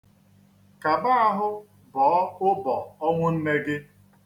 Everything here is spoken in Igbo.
Kaba ahụ bọọ ụbọ ọnwụ nne gị.